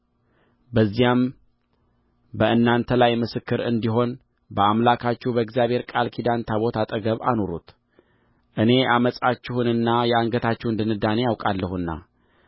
በዚያም በእናንተ ላይ ምስክር እንዲሆን በአምላካችሁ በእግዚአብሔር ቃል ኪዳን ታቦት አጠገብ አኑሩት እኔ ዓመፃችሁንና የአንገታችሁን ድንዳኔ አውቃለሁና